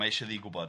Mae isio iddi gwbod.